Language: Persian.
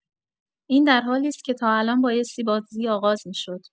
این در حالی است که تا الان بایستی بازی آغاز می‌شد